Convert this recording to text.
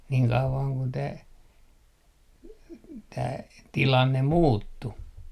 niin kauan kuin tämä tämä tilanne muuttui